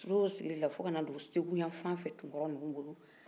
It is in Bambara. u tor'o sigin de la fo kana don segou yan fɛ tunkara nunu bilan